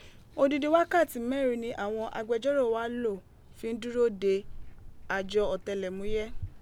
Odindin wakati mẹrin ni awọn agbẹjọro wa lo fi n duro de ajọ ọtẹlẹmuyẹ.